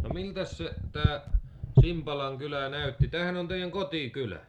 no miltäs se tämä Simpalan kylä näytti tämähän on teidän kotikylä